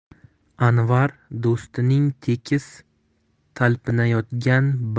anvar do'stining tekis talpinayotgan